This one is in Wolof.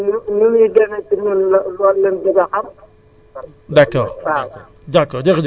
ni muy demee la ñu nu nu nu muy demee si ñun loolu lañ bëgg a xam